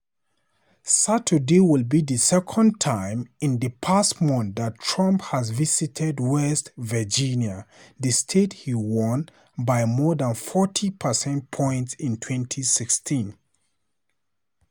Saturday will be the second time in the past month that Trump has visited West Virginia, the state he won by more than 40 percentage points in 2016.